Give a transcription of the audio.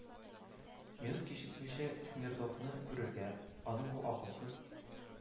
Минут кичекмичә смердовны күрергә, аның бу акылсыз